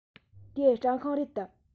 དེ སྐྲ ཁང རེད དམ